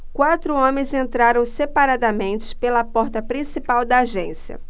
quatro homens entraram separadamente pela porta principal da agência